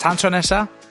Tan tro nesa